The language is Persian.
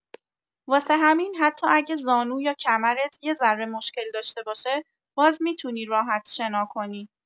واسه همین حتی اگه زانو یا کمرت یه ذره مشکل داشته باشه، باز می‌تونی راحت شنا کنی.